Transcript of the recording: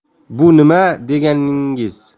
bu nima deganingiz